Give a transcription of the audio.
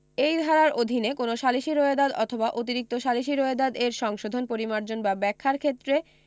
এই ধারার অধীনে কোন সালিসী রোয়েদাদ অথবা অতিরিক্ত সালিসী রোয়েদাদ এর সংশোধন পরিমার্জন বা ব্যাখ্যার ক্ষেত্রে